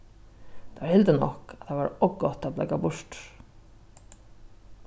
teir hildu nokk at tað var ov gott at blaka burtur